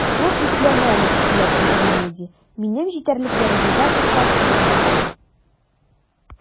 «ул икеләнә әле, - дип уйлап куйды миледи, - минем җитәрлек дәрәҗәдә ихласлы булмаганмын».